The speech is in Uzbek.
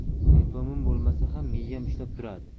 diplomim bo'lmasa ham miyam ishlab turadi